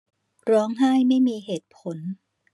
ร้องไห้ไม่มีเหตุผล